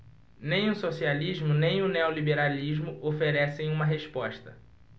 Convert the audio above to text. nem o socialismo nem o neoliberalismo oferecem uma resposta